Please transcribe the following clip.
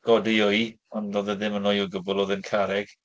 dodi wy, ond doedd e ddim yn wy o gwbl, oedd e'n carreg.